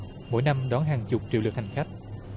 mỗi năm đón hàng chục triệu lượt hành khách